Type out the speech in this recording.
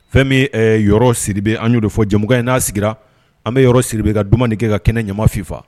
Fɛn min yɔrɔ siri bɛ an' de fɔ jamu in n'a sigira an bɛ yɔrɔ siri bɛ ka dumuni kɛ ka kɛnɛ ɲamamaafin faga